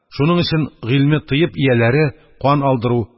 Шуның өчен гыйльме тыйб ияләре кан алдыру,